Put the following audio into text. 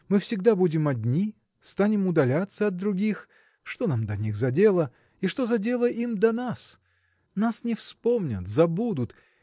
Мы всегда будем одни, станем удаляться от других что нам до них за дело? и что за дело им до нас? нас не вспомнят забудут